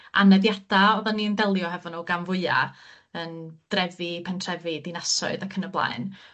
aneddiada oddan ni'n delio hefo nw gan fwya yn drefi, pentrefi, dinasoedd ac yn y blaen